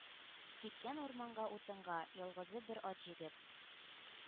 Киткән урманга утынга, ялгызы бер ат җигеп.